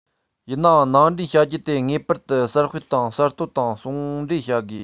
ཡིན ནའང ནང འདྲེན བྱ རྒྱུ དེ ངེས པར དུ གསར སྤེལ དང གསར གཏོད དང ཟུང འབྲེལ བྱ དགོས